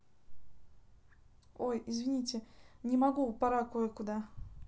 ой извините не могу пора кое куда